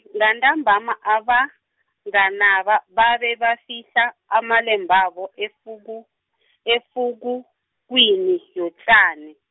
ngantambama abanganaba babe bafihla amalembabo efuku- efukufukwini yotjani.